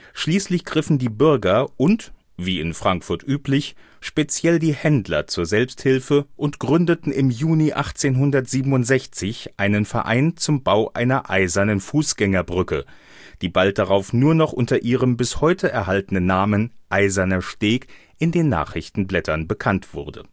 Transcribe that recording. Schließlich griffen die Bürger und - wie in Frankfurt üblich - speziell die Händler zur Selbsthilfe und gründeten im Juni 1867 einen Verein zum Bau einer eisernen Fußgängerbrücke, die bald darauf nur noch unter ihrem bis heute erhaltenen Namen Eiserner Steg in den Nachrichtenblättern bekannt wurde